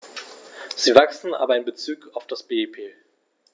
Sie wachsen, aber in bezug auf das BIP.